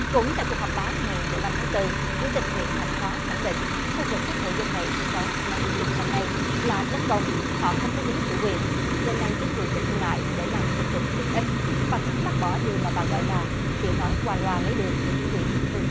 cũng tại cuộc họp báo ngày mười lăm tháng tư chủ tịch huyện thạch hóa khẳng định khu vực các hộ dân này sinh sống mấy chục năm nay là đất công họ không có giấy chủ quyền nên nay chính quyền tịch thu lại để làm công trình tiện ích bà thắng bác bỏ điều mà bà gọi là kiểu nói qua loa lấy được của chính quyền địa phương